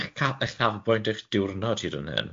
eich ca- chafbwynt eich diwrnod hyd yn hyn?